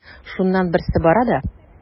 Шуннан берсе бара да:.